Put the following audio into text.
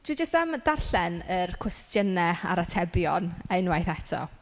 Dw i jyst am darllen yr cwestiynau a'r atebion unwaith eto.